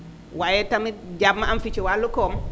waaye tamit jàmm am fi ci wàllug koom